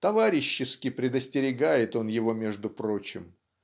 Товарищески предостерегает он его, между прочим